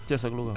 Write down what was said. Thiès ak Louga